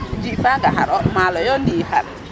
ji faaga xar o maalo yo ndi xar?